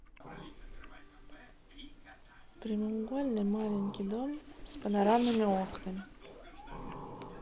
прямоугольный маленький дом с панорамными окнами